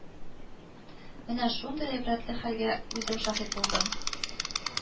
Менә шундый гыйбрәтле хәлгә үзем шаһит булдым